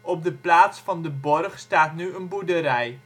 Op de plaats van de borg staat nu een boerderij